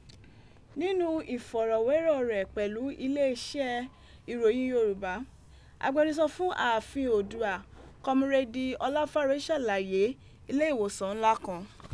Ninu ifọrọwerọ rẹ pẹlu ilé iṣẹ́ ìròyìn Yoruba, agbẹnusọ fun aafin Oodua, Kọmureedi Ọlafare ṣalaye ileewosan nla kan.